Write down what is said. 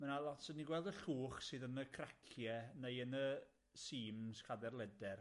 Ma' 'na lot swn i gweld y llwch sydd yn y cracie neu yn y seams cader leder.